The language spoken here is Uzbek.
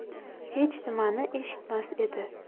hech nimani eshitmas edi